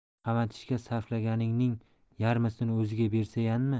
qamatishga sarflaganingning yarmisini o'ziga bermaysanmi